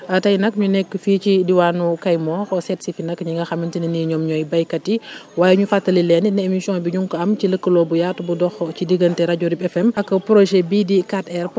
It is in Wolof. tey nag ñu nekk fii ci diwaanu Kayemor seet si fi nag ñi nga xamante ne nii ñooy béykat yi waaye ñu fàttali leen ne émission bi ñu ngi ko am ci lëkkaloo bu yaatu bu dox ci diggante rajo RIP FM ak projet bii di 4R